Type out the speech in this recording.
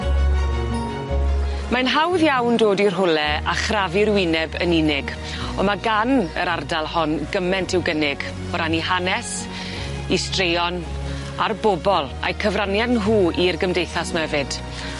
Mae'n hawdd iawn dod i rhwle a chrafu'r wyneb yn unig on' ma' gan yr ardal hon gyment i'w gynnig o ran 'i hanes 'i straeon a'r bobol a'i cyfraniad nhw i'r gymdeithas 'my efyd.